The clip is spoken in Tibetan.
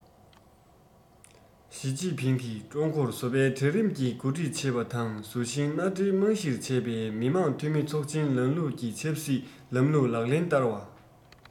ཞིས ཅིན ཕིང གིས ཀྲུང གོར བཟོ པའི གྲལ རིམ གྱིས འགོ ཁྲིད བྱེད པ དང བཟོ ཞིང མནའ འབྲེལ རྨང གཞིར བྱས པའི མི དམངས འཐུས མི ཚོགས ཆེན ལམ ལུགས ཀྱི ཆབ སྲིད ལམ ལུགས ལག ལེན བསྟར བ